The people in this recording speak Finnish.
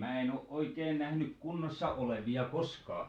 minä en ole oikein nähnyt kunnossa olevia koskaan